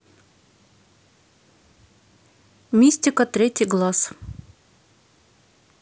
мистика третий глаз